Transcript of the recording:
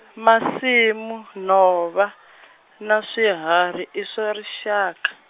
masimu nhova , na swihari i swa rixaka.